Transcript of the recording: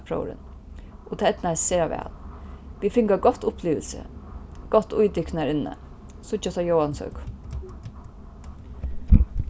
kappróðurin og tað eydnaðist sera væl vit fingu eitt gott upplivilsi gott í tykkum har inni síggjast á jóansøku